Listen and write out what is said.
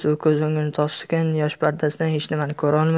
u ko'z o'ngini to'sgan yosh pardasidan hech nimani ko'rolmay